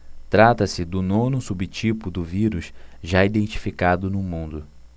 trata-se do nono subtipo do vírus já identificado no mundo